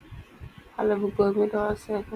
Xale bu goor bi dawal saykul.